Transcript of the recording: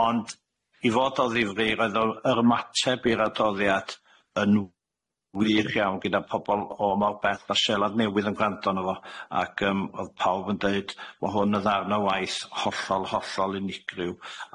ond i fod o ddifrif oedd o yr ymateb i'r adoddiad yn w- wych iawn gyda pobol o mor bell a Seland Newydd yn gwrando arno fo ac yym odd pawb yn deud ma' hwn yn ddarn o waith hollol hollol unigryw